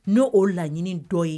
N'o'o laɲini dɔ ye